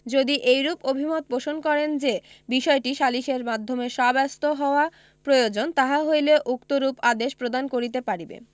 যদি এইরূপ অভিমত পোষণ করে যে বিষয়টি সালিসের মাধ্যমে সাব্যস্ত হওয়া প্রয়োজন তাহা হইলে উক্তরূপ আদেশ প্রদান করিতে পারিবে